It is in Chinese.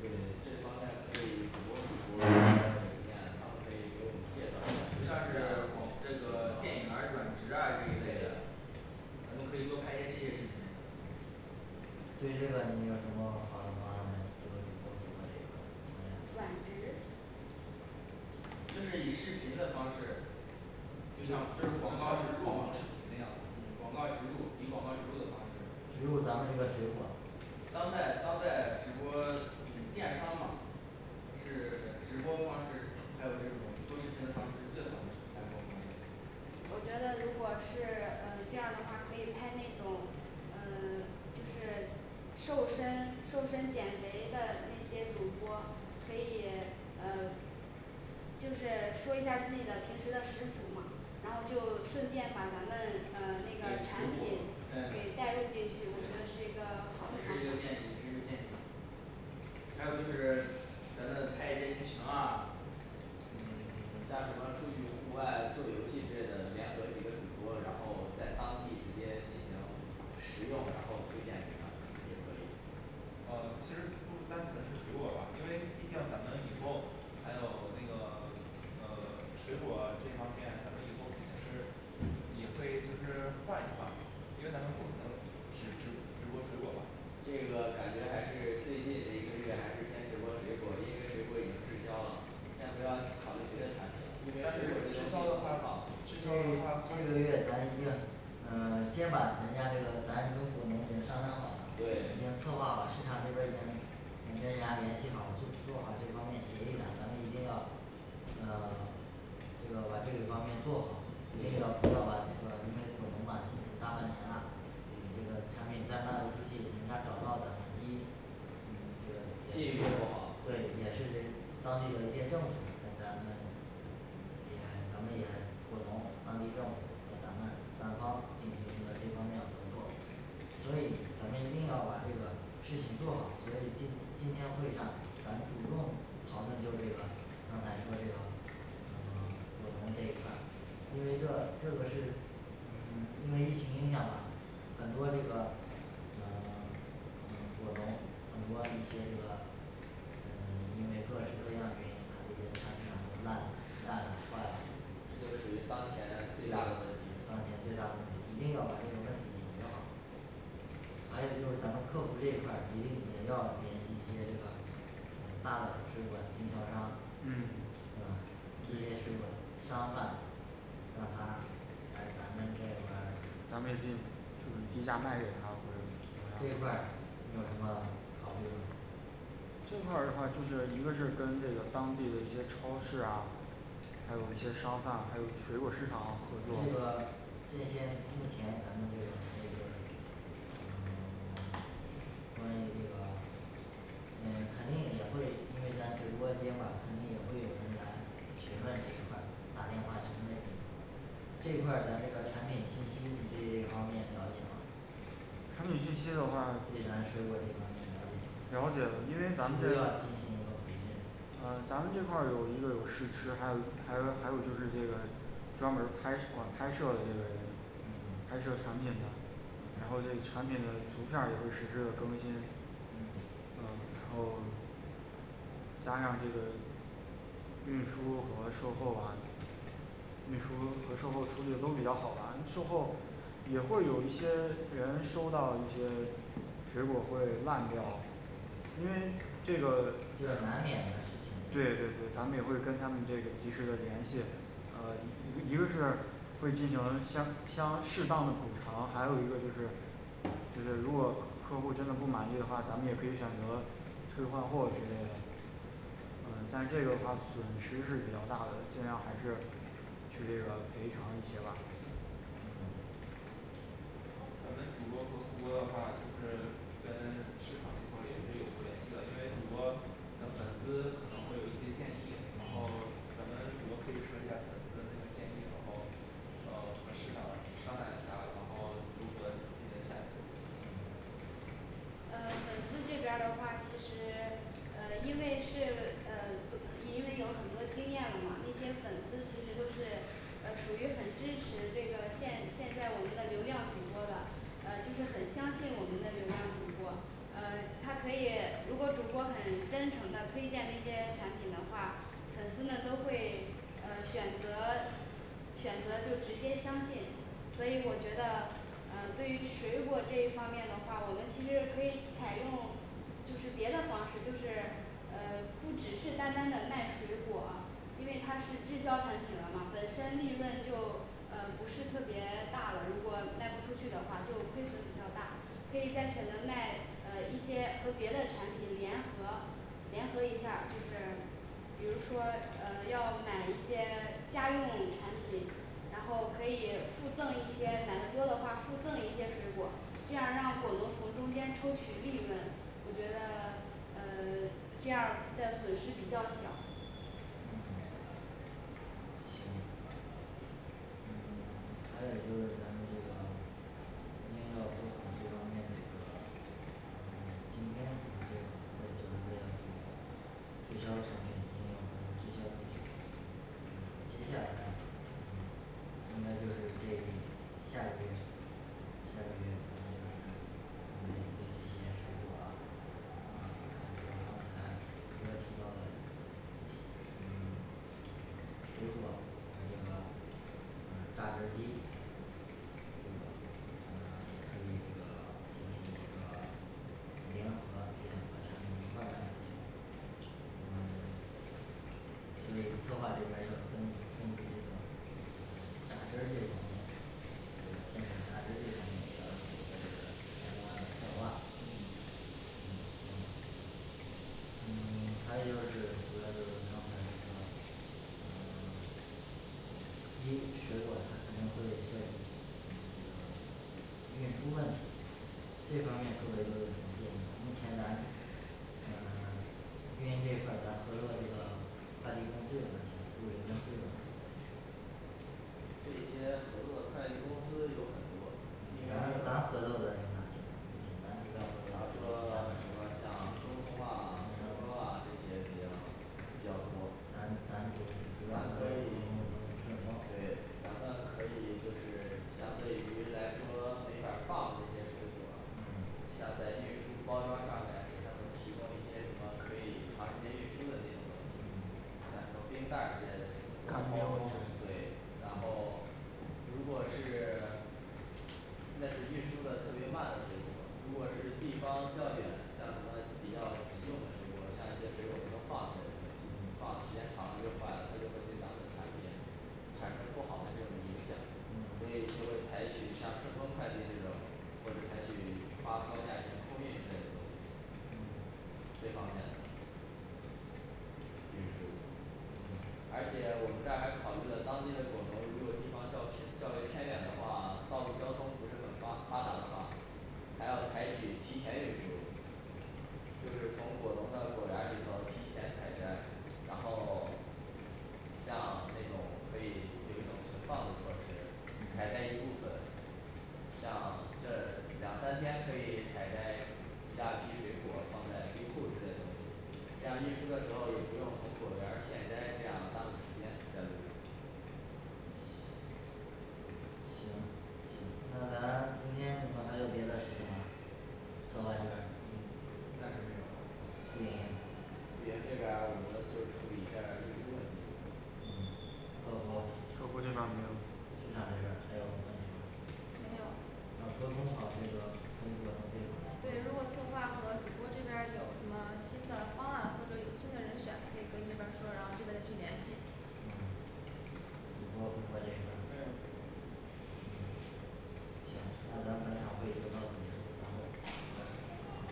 对嗯这方面可以主播复播的经验，他们可以给我们介绍一下就像是往这个电影儿啊软植啊这一类的。 咱们可以多看一些这些视频对这个你有什么好的方案吗，这个主播副播这一块儿你们俩软植就是以视频的方式，就就像像就是广告网植入嘛络视频那样嗯吗广告植入以广告植入的方式，植入咱们这个水果当代当代直播嗯电商嘛是直播方式，还有这种做视频的方式是最好的直卖货方式我觉得如果是呃这样的话，可以拍那种呃就是瘦身瘦身减肥的那些主播，可以呃就是说一下自己的平时的食谱嘛，然后就顺便把咱们呃那对个，产水品果儿给带带入进去，我觉对得是一个好的也方是一个建议法也是一个建议。还有就是咱们拍一些剧情啊，嗯 像什么出去户外做游戏之类的，联合几个主播，然后在当地直接进行使用，然后推荐给他们。也可以呃其实不单纯是水果吧，因为毕竟咱们以后还有那个呃水果这方面，咱们以后肯定是也会就是换一换因为咱们不可能只只直播水果吧，这个感觉还是最近这一个月还是先直播水果，因为水果已经滞销了，先不要去考虑别的产品了，因但是为如果滞销的话滞销的话这这个月咱一定呃先把人家这个咱这个果农已经商量好啊，对已经策划，市场这边儿已经跟人家联系好，做做好这方面协议了，咱们一定要，呃 这个把这个方面做好，一定对要不要把这个因为果农嘛，辛苦大半年了，你这个嗯产品再卖不出去，人家找到咱们一嗯，这个也是，信誉度不好对也是这当地的一些政府跟咱们也咱们也果农当地政府咱们三方进行一个这方面合作，所以咱们一定要把这个事情做好，所以今今天会上咱们主动讨论，就这个刚才说这个呃 果农这一块儿，因为这这个是嗯因为疫情影响嘛很多这个呃嗯果农很多一些这个嗯 因为各式各样的原因，他这些产品都烂烂了坏了，这就属于当前最大的问题当前最大的问题一定要把这个问题解决好还有就是咱们客服这一块儿一定也要联系一些这个大的水果儿经销商，嗯是吧，一些水果儿商贩让他来咱们这块儿，咱们也可以就是低价卖给嗯他或者，，这块儿你有什么考虑吗这块儿的话就是一个是跟这个当地的一些超市啊，还有一些商贩还有水果儿市场，合这作个这些目前咱们这个可以就是嗯 关于这个嗯，肯定也会，因为咱直播间嘛肯定也会有人来询问这一块儿，打电话询问这块儿咱这个产品信息你对这方面了解吗？基本信息的话，对咱水果这方面了解吗了解，因为他们都要进行一个培训。呃咱们这块儿有一个有试吃，还有一还有还有就是这个专门儿拍拍摄的嗯拍摄场景的。嗯然后这个产品的图片儿也会实时的更新，嗯嗯，然后加上这个运输和售后啊，运输和售后处理都比较好吧，售后也会有一些人收到一些水果儿会烂掉因为这个对，难免的事情对，咱们也会跟他们这及时的联系。呃一个是会进行相相适当的补偿，还有一个就是就是如果客户真的不满意的话，咱们也可以选择退换货之类的嗯，但是这个的话损失是比较大的，尽量还是去这个赔偿一些吧嗯咱们主播和副播的话，就是跟市场那块儿也会有过联系的，因为主播的粉嗯丝可能会有一些建议，然后嗯咱们主播可以说一下粉丝那个建议，然后呃和市场商量一下，然后如何进行下一步嗯嗯，粉丝这边儿的话，其实呃因为是呃因为有很多经验了嘛，一些粉丝其实都是呃属于很支持这个现现在我们的流量主播了，呃就是很相信我们的流量主播，呃他可以如果主播很真诚的推荐一些产品的话，粉丝们都会呃选择选择就直接相信，所以我觉得呃对于水果这一方面的话，我们其实可以采用就是别的方式，就是呃不只是单单的卖水果因为它是滞销产品了嘛，本身利润就呃不是特别大了，如果卖不出去的话就亏损比较大，可以在选择卖呃一些和别的产品联合联合一下儿，就是比如说呃要买一些家用产品，然后可以附赠一些买的多的话附赠一些水果儿，这样让果农从中间抽取利润。 我觉得呃这样儿的损失比较小嗯，行嗯，还有就是咱们这个一定要做好这方面这个嗯，今天我们就讨论这个滞销产品一定要把它滞销出去嗯 接下来应该就是这下个月下个月咱们就是对这些水果啊嗯还有就是刚才主播提到的嗯水果还有这个嗯榨汁儿机这个呃也可以这个进行一个联合这两个产品一块儿卖出去，嗯 所以策划这边儿要跟跟这个嗯榨汁儿这东西这个现场榨汁儿这方面也要有个这个相关的策划嗯嗯，行嗯 还有就是主要就是刚才这个嗯，一水果儿它肯定会被嗯这个运输问题这方面各位都有什么建议呢，目前咱嗯运营这块儿咱合作这个快递公司有哪些物流公司有哪些这些合作的快递公司有很多，比嗯，方说，比咱方咱合作的是哪些呢，目前咱主要合说作的，什么像中通啊中，顺丰啊这通些比较比较多，咱咱主主咱要可以是中通跟，顺对丰咱们可以就是相对于来说没法儿放的一些水果儿嗯像在运输包装上面给他们提供一些什么可以长时间运输的那种东西。像什么冰袋儿之类的这种看包装对，然后如果是 那是运输的特别慢的水果儿，如果是地方较远，像什么比较急用的水果儿，像一些水果儿不能放之类的东西嗯，放的时间长了就坏了，他就会对咱们产品产生不好的这种影响，所嗯以就会采取像顺丰快递这种或者采取花高价钱空运之类的东西嗯，这方面的运输。嗯而且我们这儿还考虑了当地的果农，如果地方较偏较为偏远的话，道路交通不是很发发达的话，还要采取提前运输就是从果农的果园儿里头提前采摘，然后 像那种可以有一种存放的措施，采嗯摘一部分像这两三天可以采摘一大批水果儿放在冰库之类的东西，这样运输的时候也不用从果园儿现摘，这样耽误时间在路上。行，行，那咱今天你们还有别的事情吗？策划这边儿嗯。，暂时没有了运营运营这边儿我们就处理一下儿运输问题嗯，客服。客服这边儿没有市场这边儿还有问题吗没有要沟通好这个工作能力对，如果策划或者主播这边儿有什么新的方案，或者有新的人选可以跟这边儿说，然后这边儿去联系嗯主播副播这一块儿。没有嗯，行，那咱本场会议就到此结束，散会。好嘞